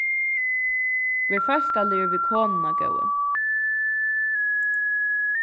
ver fólkaligur við konuna góði